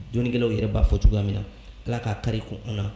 Donnikɛlaw yɛrɛ ba fɔ cogoya min na allah k'a kari kun na